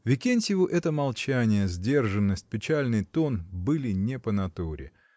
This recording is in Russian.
Викентьеву это молчание, сдержанность, печальный тон были не по натуре.